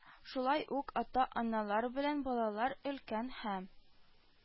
Шулай ук ата-аналар белән балалар, өлкән һәм